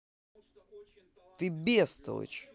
ты бестолочь